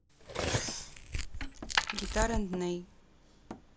guitar and ней